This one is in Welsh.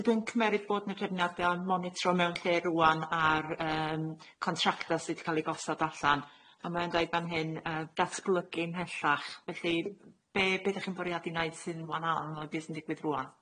Dydw i'n cymeryd bod 'na trefniade monitro mewn lle rŵan ar yym contracta sydd 'di ca'l 'u gosod allan, a mae o'n deud fan hyn yy datblygu'n mhellach, felly be' be' dach chi'n bwriadu neud sydd yn wanol i be' sy'n digwydd rŵan?